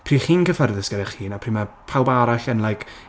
Pryd chi'n cyfforddus gyda eich hun a pryd mae pawb arall yn like...